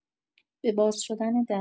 به باز شدن در